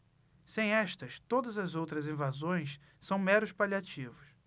sem estas todas as outras invasões são meros paliativos